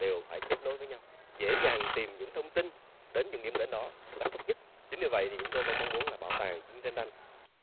đều phải kết nối với nhau dễ dàng tìm những thông tin đến những điểm đến nó một cách tốt nhất chính vì vậy chúng tôi vẫn mong muốn là bảo tàng chúng ta đang